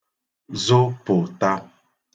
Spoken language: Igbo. zụpụ̀ta